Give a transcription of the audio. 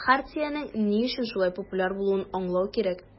Хартиянең ни өчен шулай популяр булуын аңлау кирәк.